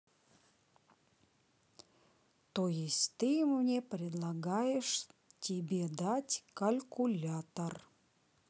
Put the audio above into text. то есть ты мне предлагаешь тебе дать калькулятор